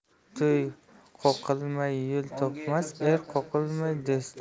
toy qoqilmay yo'l topmas er qoqilmay do'st